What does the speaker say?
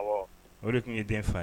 O de tun ye den fan ye